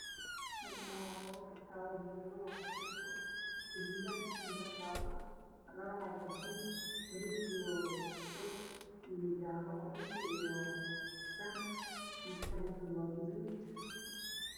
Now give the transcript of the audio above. Halkaan labo bir toowo mad madow ku jirto gaduudan midna jaalle ah labo caag cajiin ah baluug iyo cadays iyo jaalle oranji iyo cadaan mida kaleetana waa gaduud.